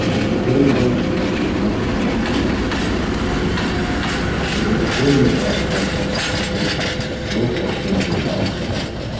og undir krígnum tá í okkara og undir krígnum tá okara sjófólk sigldu vandasjógvar